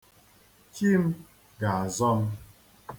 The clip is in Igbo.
Chi m ga-azọ m.